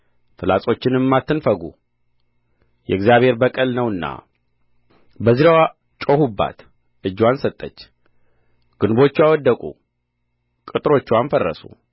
ፍላጾችንም አትንፈጉ የእግዚአብሔር በቀል ነውና በዙሪያዋ ጩኹባት እጅዋን ሰጠች ግንቦችዋ ወደቁ ቅጥሮችዋም ፈረሱ